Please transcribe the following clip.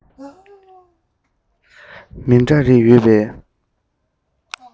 མི འདྲ རེ ཡོད པའི